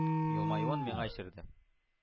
Елмаюын миңа эчерде.